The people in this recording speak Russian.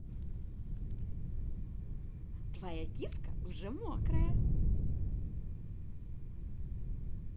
твоя киска уже мокрая